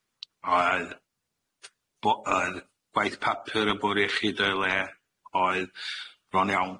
Oedd bo- oedd gwaith papur y Bwr' Iechyd o'i le, oedd bron iawn